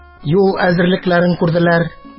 Юл әзерлекләрен күрделәр.